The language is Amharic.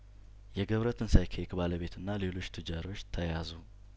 የገብረተንሳይ ኬክ ባለቤትና ሌሎች ቱጃሮች ተያዙ